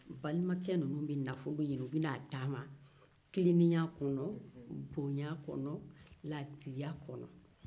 balimakɛ ninnu bɛ nafoloɲinin u bɛn'a d'a ma tilenenya kɔnɔ bonya kɔnɔ laadiriya kɔnɔ